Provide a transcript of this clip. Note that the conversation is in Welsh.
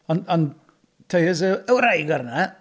Ond ond teiars y wraig arna.